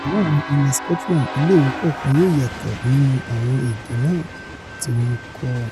Láàrin ilẹ̀ Sikọtiland, ilé ìwé kọ̀ọ̀kan yóò yàtọ̀ nínú àwọn èdè náà tíwọn ńkọ́.